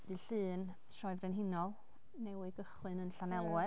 Dydd llun Sioe Frenhinol newydd gychwyn yn Llanelwedd